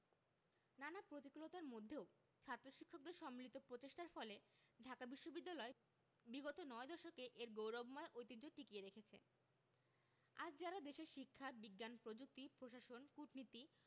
নানা প্রতিকূলতার মধ্যেও ছাত্র শিক্ষকদের সম্মিলিত প্রচেষ্টার ফলে ঢাকা বিশ্ববিদ্যালয় বিগত নয় দশকে এর গৌরবময় ঐতিহ্যকে টিকিয়ে রেখেছে আজ যাঁরা দেশের শিক্ষা বিজ্ঞান প্রযুক্তি প্রশাসন কূটনীতি